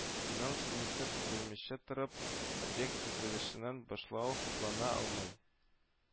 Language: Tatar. Финанс лимиты төзелмичә торып, объект төзелешенең башлау хуплана алмый